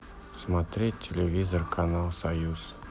смотреть телевизор канал союз